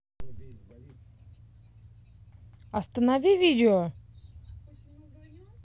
останови видео